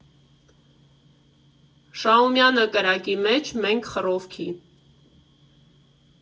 Շահումյանը՝ կրակի մեջ, մենք՝ խռովքի։